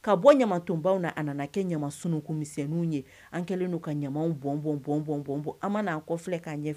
Ka bɔ ɲama tunbaw na a nana kɛ ɲama sun kun misɛnw ye an kɛlen'u ka ɲama bɔnɔn-ɔn bɔnɔn an mana'a kɔ filɛ'a ɲɛ